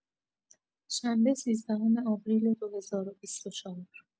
شنبه سیزدهم آوریل دو هزار و بیست و چهار